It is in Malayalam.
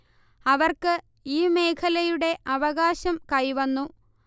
അവർക്ക് ഈ മേഖലയുടെ അവകാശം കൈവന്നു